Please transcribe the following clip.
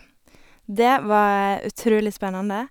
Det var utrolig spennende.